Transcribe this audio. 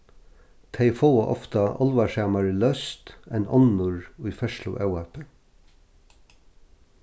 tey fáa ofta álvarsamari løst enn onnur í ferðsluóhappi